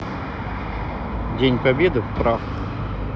день победы в прах